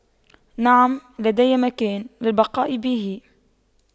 نعم لدي مكان للبقاء به